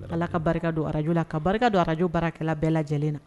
Ala ka barika don radio la ka barika don radio baarakɛla bɛɛ lajɛlen na.